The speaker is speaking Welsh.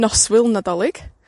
noswyl Nadolig.